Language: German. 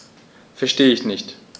Verstehe nicht.